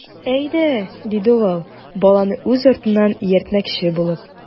Әйдә,— диде ул, баланы үз артыннан ияртмөкче булып.